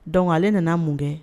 Donc ale nana mun kɛ